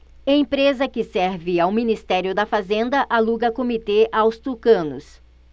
empresa que serve ao ministério da fazenda aluga comitê aos tucanos